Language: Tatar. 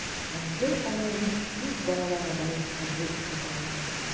Әнкәй аларны үз балаларыдай кабул итеп алган.